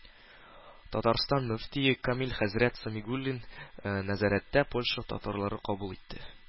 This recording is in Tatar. Татарстан мөфтие Камил хәзрәт Сәмигуллин нәзәрәттә Польша татарлары кабул итте.